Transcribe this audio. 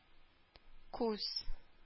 Күз